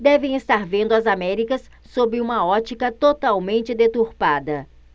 devem estar vendo as américas sob uma ótica totalmente deturpada